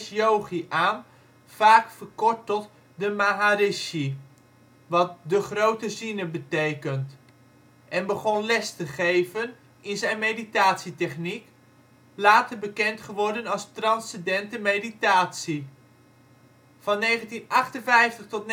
Yogi " aan (vaak verkort tot " de Maharishi ", wat " de grote ziener " betekent) en begon les te geven in zijn meditatietechniek, later bekend geworden als Transcendente Meditatie (TM). Van 1958 tot